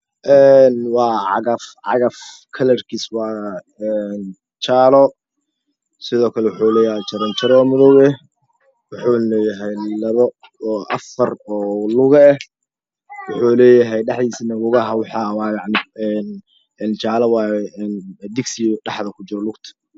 Ee waa cagaf-cagaf karalkiisu waa een jaalo sidoo kale wuxuu leeyahay jaranro madow eh wuxuuna leeyahay labo oo afar oo Lugo eh wuxuu leeyahay dhexdiisana waxaa lugaha waxaa waala ee jaalo waaye een disdiyaa dhexdaa ku juro lugto.